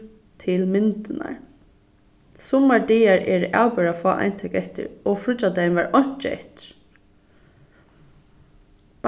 til myndirnar summar dagar eru avbera fá eintøk eftir og fríggjadagin var einki eftir